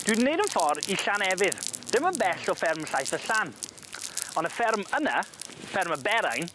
Dwi 'di neud 'yn ffor i Llanefydd, ddim yn bell o fferm Llaeth y Llan on; y fferm yna, fferm y Berain,